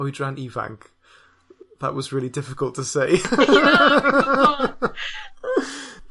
Oedran ifanc. That was really difficult to say.